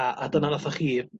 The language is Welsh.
a a dyna nathoch chi